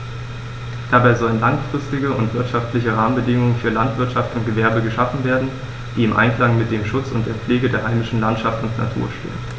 Dabei sollen langfristige und wirtschaftliche Rahmenbedingungen für Landwirtschaft und Gewerbe geschaffen werden, die im Einklang mit dem Schutz und der Pflege der heimischen Landschaft und Natur stehen.